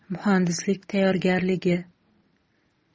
muhandislik tayyorgarligi